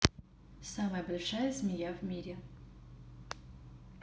самая большая змея в мире